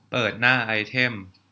เปิดหน้าไอเท็ม